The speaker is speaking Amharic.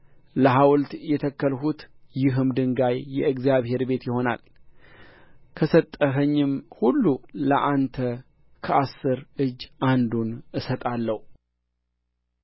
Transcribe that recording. ለሐውልት የተከልሁት ይህም ድንጋይ የእግዚአብሔር ቤት ይሆናል ከሰጠኸኝም ሁሉ ለአንተ ከአሥር እጅ አንዱን እሰጥሃለሁ